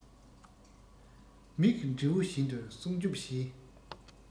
མིག གི འབྲས བུ བཞིན དུ སྲུང སྐྱོབ བྱས